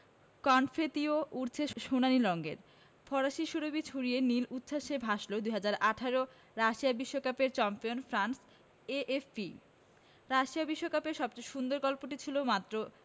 কনফেত্তিও উড়ছে সোনালি রঙের ফরাসি সুরভি ছড়িয়ে নীল উচ্ছ্বাসে ভাসল ২০১৮ রাশিয়া বিশ্বকাপের চ্যাম্পিয়ন ফ্রান্স এএফপি রাশিয়া বিশ্বকাপে সবচেয়ে সুন্দর গল্পটি ছিল মাত্র